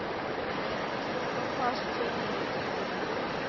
прохождение игры